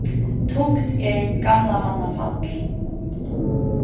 tungt er gamla manna fall